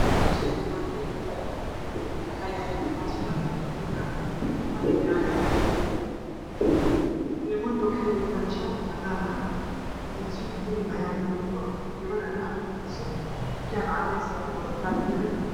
Meeshaan waa meel hool ah waxaa yaalo kuraasman buluug ah niman iyo naago ayaa fadhiyo. Niman ku waxay wataan shaati cadaan ah iyo suud bulug ah ayaa mid wataa. Gabar ayaa ag fadhiso xijaab cadeys ah ayay wadataa.